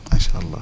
macha allah